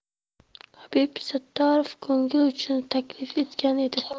habib sattorov ko'ngil uchun taklif etgan edi